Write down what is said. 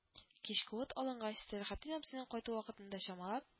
Кичке ут алынгач, Сәләхетдин абзыйның кайту вакытын да чамалап